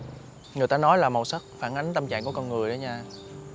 người ta nói là màu sắc phản ánh tâm trạng của con người đó nha